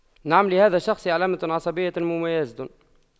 نعم لهذا الشخص علامة عصبية مميزة